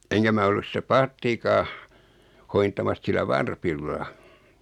enkä minä ollut sitä paattiakaan hoitamassa sillä varpilla